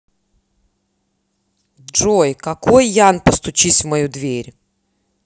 джой какой ян постучись в мою дверь